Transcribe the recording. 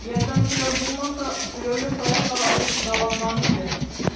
Ярдәмчеләр булмаса, түләүле сайтлар ачып изаланмам инде.